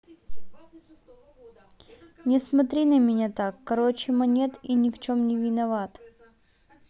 не смотри на меня так короче монет и ни в чем не виноват